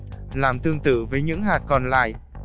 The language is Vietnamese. làm tương tự với những hạt còn lại